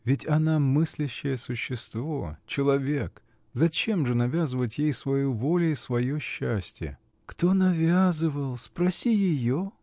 Ведь она мыслящее существо, человек: зачем же навязывать ей свою волю и свое счастье?. — Кто навязывал: спроси ее?